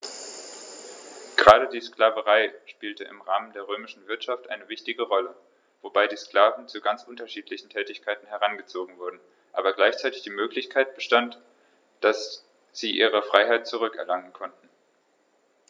Gerade die Sklaverei spielte im Rahmen der römischen Wirtschaft eine wichtige Rolle, wobei die Sklaven zu ganz unterschiedlichen Tätigkeiten herangezogen wurden, aber gleichzeitig die Möglichkeit bestand, dass sie ihre Freiheit zurück erlangen konnten.